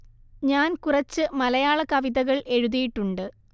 ഞാൻ കുറച്ച് മലയാള കവിതകൾ എഴുതിയിട്ടുണ്ട്